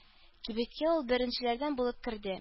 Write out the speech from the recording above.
Кибеткә ул беренчеләрдән булып керде.